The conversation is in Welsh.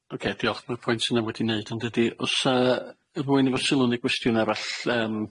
Oce, diolch. Ma'r pwynt yna wedi'i neud yn dydi? O's 'a rywun efo sylw neu gwestiwn arall yym